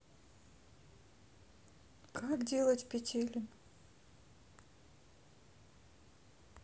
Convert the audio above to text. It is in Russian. как делать петелин